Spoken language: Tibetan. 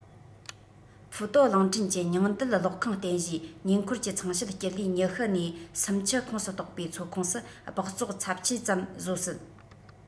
ཕུའུ ཏའོ གླིང ཕྲན གྱི ཉིང རྡུལ གློག ཁང རྟེན གཞིའི ཉེ འཁོར གྱི ཚངས ཕྱེད སྤྱི ལེ ཉི ཤུ ནས སུམ བཅུ ཁོངས སུ གཏོགས པའི མཚོ ཁོངས སུ སྦགས བཙོག ཚབས ཆེ ཙམ བཟོ སྲིད